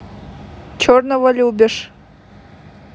черного любишь